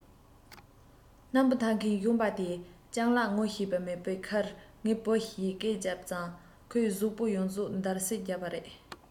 སྣམ སྤུ འཐགས མཁན གཞོན པ དེས སྤྱང ལགས ངོ ཤེས ཀྱི མེད པའི ཁར ངའི བུ ཞེས སྐད རྒྱབ ཙང ཁོའི གཟུགས པོ ཡོངས རྫོགས འདར གསིག རྒྱག པ དང